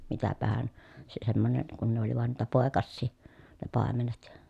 mitäpähän se semmoinen kun ne oli vain niitä poikasia ne paimenet